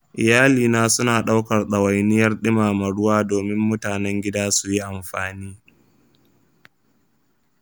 iyalina su na ɗaukar ɗawainiyar ɗimama ruwa domin mutanen gida su yi amfani.